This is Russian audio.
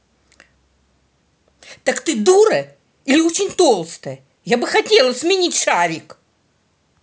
так ты дура или очень толстая я бы хотела сменить шарик